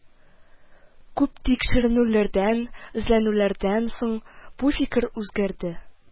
Күп тикшеренүләрдән, эзләнүләрдән соң бу фикер үзгәрде